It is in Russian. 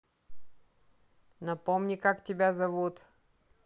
напомни как тебя зовут